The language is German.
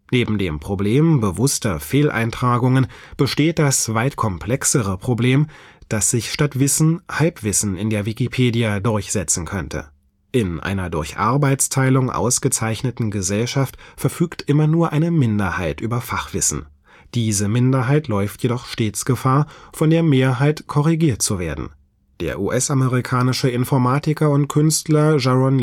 Neben dem Problem bewusster Fehleintragungen besteht das weit komplexere Problem, dass sich statt Wissen Halbwissen in der Wikipedia durchsetzen könnte. In einer durch Arbeitsteilung ausgezeichneten Gesellschaft verfügt immer nur eine Minderheit über Fachwissen. Diese Minderheit läuft jedoch stets Gefahr, von der Mehrheit „ korrigiert “zu werden. Der US-amerikanische Informatiker und Künstler Jaron